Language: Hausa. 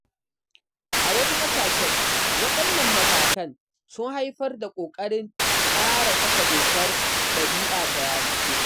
A wasu ƙasashen, waɗannan matakan sun haifar da ƙoƙarin ƙara saka dokar ɗab'i ta yanar gizo